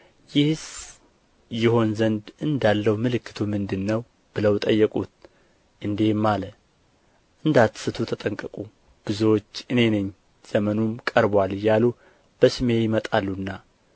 ይህስ ይሆን ዘንድ እንዳለው ምልክቱ ምንድር ነው ብለው ጠየቁት እንዲህም አለ እንዳትስቱ ተጠንቀቁ ብዙዎች እኔ ነኝ ዘመኑም ቀርቦአል እያሉ በስሜ ይመጣሉና